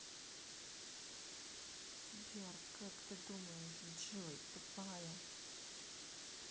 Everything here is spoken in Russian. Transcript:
сбер как ты думаешь джой тупая